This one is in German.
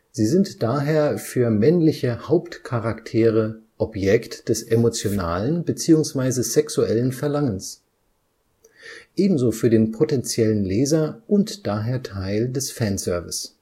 Sie sind daher für männliche (Haupt -) Charaktere Objekt des emotionalen bzw. sexuellen Verlangens; ebenso für den potenziellen Leser und daher Teil des Fanservice